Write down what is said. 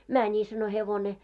meni sanoi hevonen